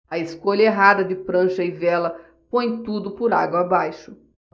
a escolha errada de prancha e vela põe tudo por água abaixo